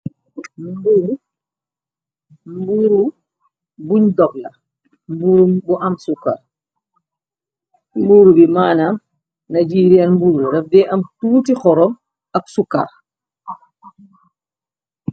Mbuuru buñ dogla mburu am sukar mbuuru bi maanam najiireen mbuuru daf dee am tuuti xoroom ak sukar.